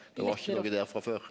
det var ikkje noko der frå før.